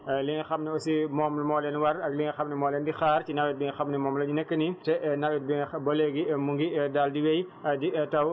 loo xam ne dafa jëm si wàllu dugub ak li nga xam mooy ñebe ji li nga xam ne aussi moom moo leen war li nga xam ne moo leen di xaar ci nawet bi nga xam ne moom lañ nekk nii te nawet bi nga xam ba léegi mu ngi daal di wéy di taw